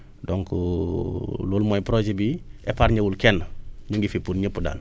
donc loolu mooy projet bi épargner wul kenn ñu ngi fi pour ñëpp daal